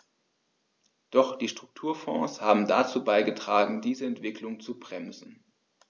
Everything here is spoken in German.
Doch die Strukturfonds haben dazu beigetragen, diese Entwicklung zu bremsen.